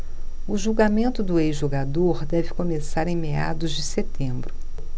o julgamento do ex-jogador deve começar em meados de setembro